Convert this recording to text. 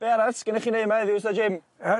Be' arall sgennych chi neud yma heddiw ta Jim?